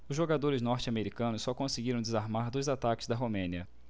os jogadores norte-americanos só conseguiram desarmar dois ataques da romênia